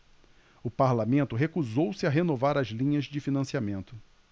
o parlamento recusou-se a renovar as linhas de financiamento